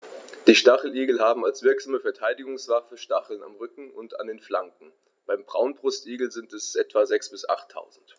Die Stacheligel haben als wirksame Verteidigungswaffe Stacheln am Rücken und an den Flanken (beim Braunbrustigel sind es etwa sechs- bis achttausend).